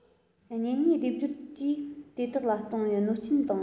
གཉེན ཉེ སྡེབ སྦྱོར ཀྱིས དེ དག ལ བཏང བའི གནོད རྐྱེན དང